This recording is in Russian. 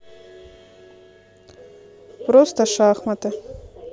просто шахматы